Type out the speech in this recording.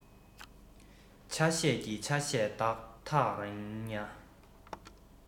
ཆ ཤས ཀྱི ཆ ཤས དག ཐག རིང ན